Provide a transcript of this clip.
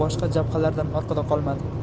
boshqa jabhalardan orqada qolmadi